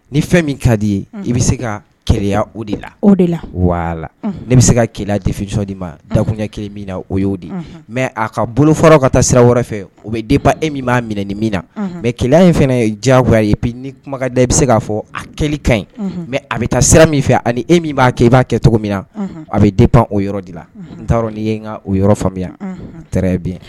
Ni fɛn min ka di ye i bɛ se ka ke o de la o de la wala ne bɛ se ka kɛlɛ deso de ma dakunya kelen min na o y'o de mɛ a ka bolo fɔlɔ ka taa sira wɛrɛ fɛ o bɛba e min b'a minɛ nin min na mɛ ke in fana ye diyagoya ye ni kumakan da i bɛ se k'a fɔ a keli ka ɲi mɛ a bɛ taa sira min fɛ ani e min b'a kɛ i b'a kɛ cogo min na a bɛ den pan o yɔrɔ de la n taaraa n'i ye n ka o yɔrɔ faamuya bɛ